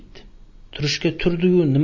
turishga turdi yu